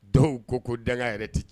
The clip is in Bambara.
Dɔw ko ko danga yɛrɛ tɛ